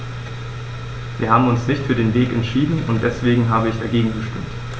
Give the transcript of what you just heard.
Wir haben uns nicht für diesen Weg entschieden, und deswegen habe ich dagegen gestimmt.